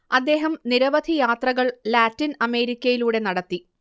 അദ്ദേഹം നിരവധി യാത്രകൾ ലാറ്റിൻ അമേരിക്കയിലൂടെ നടത്തി